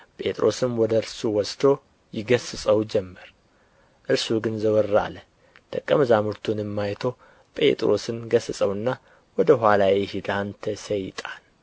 ጴጥሮስም ወደ እርሱ ወስዶ ይገሥጸው ጀመር እርሱ ግን ዘወር አለ ደቀ መዛሙርቱንም አይቶ ጴጥሮስን ገሠጸውና ወደ ኋላዬ ሂድ አንተ ሰይጣን